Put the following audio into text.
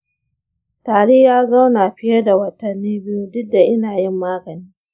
tari ya zauna fiye da watanni biyu duk da ina yin magani.